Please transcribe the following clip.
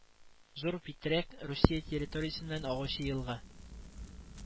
Зур Петряк Русия территориясеннән агучы елга